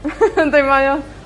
Yndi, mae o.